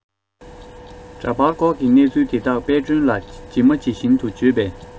འདྲ པར བསྐོར གྱི གནས ཚུལ དེ དག དཔལ སྒྲོན ལ ཇི མ ཇི བཞིན དུ བརྗོད པས